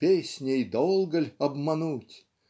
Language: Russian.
Песней долго ль обмануть?